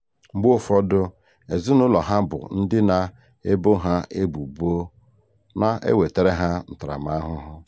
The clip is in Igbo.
Mgbe ụfọdụ, ezinaụlọ ha bụ ndị na-ebo ha ebubo na-ewetara ha ntaramahụhụ.